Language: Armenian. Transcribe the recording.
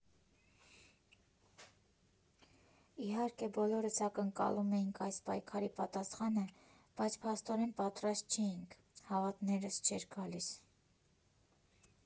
Իհարկե, բոլորս ակնկալում էինք այս պայքարի պատասխանը, բայց, փաստորեն, պատրաստ չէինք, հավատներս չէր գալիս։